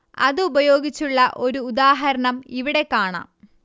അത് ഉപയോഗിച്ചുള്ള ഒരു ഉദാഹരണം ഇവിടെ കാണാം